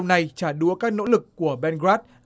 này trả đũa các nỗ lực của ben gơ rát